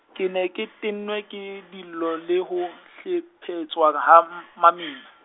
ke ne ke tennwe ke dillo le ho, hlephetswa, ha m- mamina.